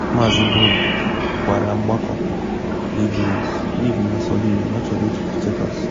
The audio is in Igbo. Maazị Bone gwara otu mgbakọ Leave Means Leave na Solihull na ọ chọrọ ‘itufu Chequers’.